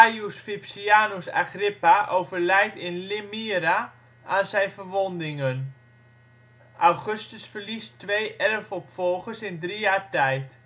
Gaius Vipsanius Agrippa overlijdt in Limyra aan zijn verwondingen, Augustus verliest twee erfopvolgers in drie jaar tijd